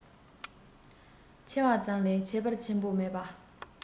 ཆེ བ ཙམ ལས ཁྱད པར ཆེན པོ མེད པ